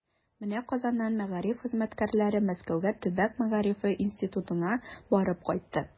Менә Казаннан мәгариф хезмәткәрләре Мәскәүгә Төбәк мәгарифе институтына барып кайтты.